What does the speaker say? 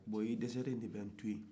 bon i desɛlen de bɛ n'to ye